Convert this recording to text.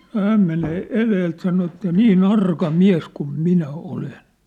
no hän menee edeltä sanoi että niin arka mies kun minä olen